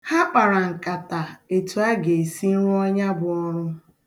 Ha kpara nkata etu a ga-esi rụọ ya bụ ọrụ.